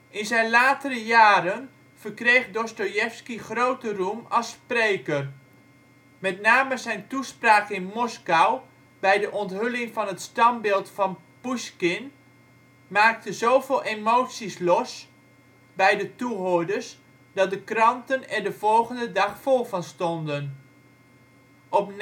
In zijn latere jaren verkreeg Dostojevski grote roem als spreker. Met name zijn toespraak in Moskou bij de onthulling van het standbeeld van Poesjkin maakte zoveel emoties los bij de toehoorders, dat de kranten er de volgende dag vol van stonden. Op